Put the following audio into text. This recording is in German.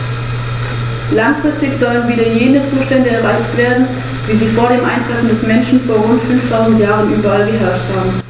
Der Mensch soll hier nur Beobachter auf vorgegebenen Pfaden bleiben, damit sich die eindrückliche alpine Landschaft in ihren eigenen dynamischen Prozessen entwickeln kann.